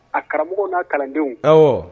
A karamɔgɔ na kalandenw, awɔ